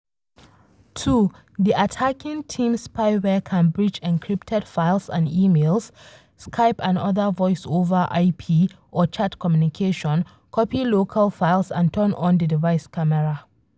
2- The @hackingteam spyware can breach encrypted files and emails, Skype and other Voice over IP or chat communication, copy local files and turn on the device camera.